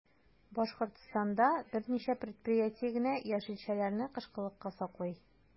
Башкортстанда берничә предприятие генә яшелчәләрне кышкылыкка саклый.